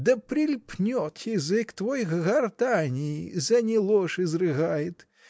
— Да прильпнет язык твой к гортани, зане ложь изрыгает!